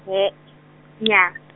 he e, nnyaa.